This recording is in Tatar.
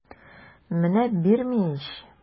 Менә бирми ич!